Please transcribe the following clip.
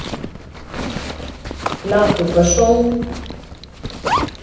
нахуй пошел